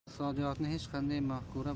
iqtisodiyotni hech qanday mafkura